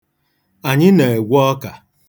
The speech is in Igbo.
Anyị na-egwe ọka.